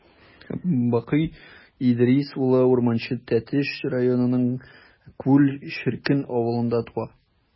Бакый Идрис улы Урманче Тәтеш районының Күл черкен авылында туа.